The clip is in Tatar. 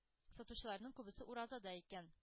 Сатучыларның күбесе уразада икән.